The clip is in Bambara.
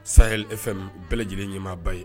Saya e fɛn bɛɛ lajɛlen ɲɛmaa ba ye